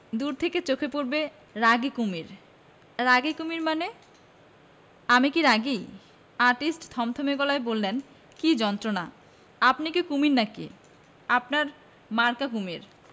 দূর থেকে চোখে পড়বে রাগী কুমীর' রাগী কুমীর শানে আমি কি রাগী আর্টিস্ট থমথমে গলায় বললেন কি যন্ত্রণা আপনি কি কুমীর না কি আপনার মাকা কুমীর